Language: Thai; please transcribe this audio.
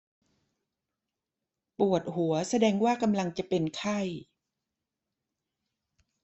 ปวดหัวแสดงว่ากำลังจะเป็นไข้